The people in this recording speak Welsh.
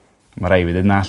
Ma' rhai' fi ddeud na...